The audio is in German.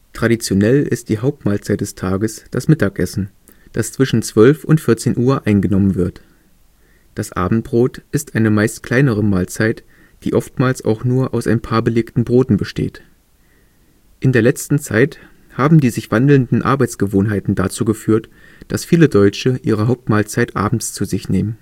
Traditionell ist die Hauptmahlzeit des Tages das Mittagessen, das zwischen 12 und 14 Uhr eingenommen wird. Das Abendbrot ist eine meist kleinere Mahlzeit, die oftmals auch nur aus ein paar belegten Broten besteht. In der letzten Zeit haben die sich wandelnden Arbeitsgewohnheiten dazu geführt, dass viele Deutsche ihre Hauptmahlzeit abends zu sich nehmen